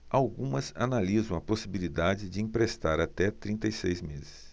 algumas analisam a possibilidade de emprestar até trinta e seis meses